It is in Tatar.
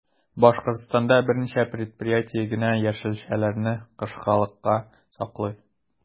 Башкортстанда берничә предприятие генә яшелчәләрне кышкылыкка саклый.